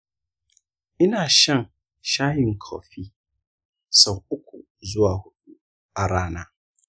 ina shan shayin coffee sau uku zuwa huɗu a rana